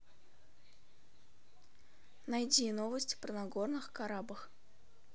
найди новость про нагорный карабах